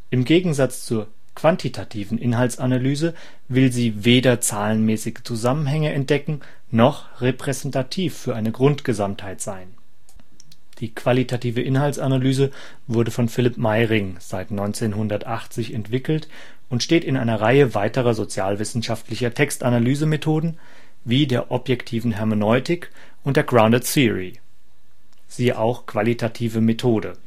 Im Gegensatz zur quantitativen Inhaltsanalyse will sie weder zahlenmäßige Zusammenhänge entdecken, noch repräsentativ für eine Grundgesamtheit sein. Die qualitative Inhaltsanalyse wurde von Philipp Mayring seit 1980 entwickelt und steht in einer Reihe weiterer sozialwissenschaftlicher Textanalysemethoden, wie der objektiven Hermeneutik und der Grounded Theory (siehe auch: Qualitative Methode